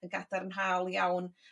Yn gadarnhaol iawn.